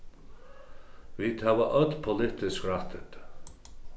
vit hava øll politisk rættindi